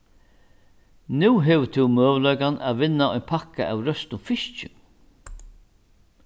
nú hevur tú møguleikan at vinna ein pakka av røstum fiski